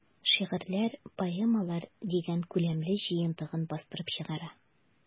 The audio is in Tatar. "шигырьләр, поэмалар” дигән күләмле җыентыгын бастырып чыгара.